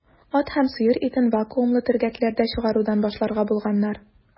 Ат һәм сыер итен вакуумлы төргәкләрдә чыгарудан башларга булганнар.